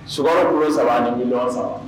Sukaro kilo 3 ani ji gansan